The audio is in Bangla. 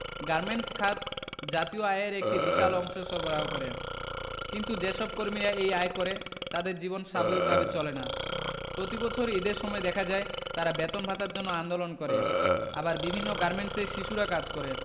গার্মেন্টস খাত জাতীয় আয়ের একটি বিশাল অংশ সরবারহ করে কিন্তু যেসব কর্মীরা এই আয় করে তাদের জীবন স্বাভাবিক ভাবে চলে না প্রতিবছর ঈদের সময় দেখা যায় তারা বেতন ভাতার জন্য আন্দোলন করে আবার বিভিন্ন গার্মেন্টসে শিশুরা কাজ করে